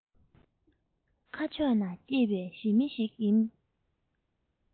ཁམས ཕྱོགས ན སྐྱེས པའི ཞི མི ཞིག ཡིན